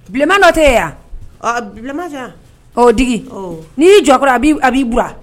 Biman nɔ tɛ yan'o digi n'i y'i jɔkura a a bi bila